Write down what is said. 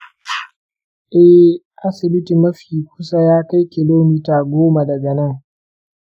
eh, asibiti mafi kusa ya kai kilomita goma daga nan.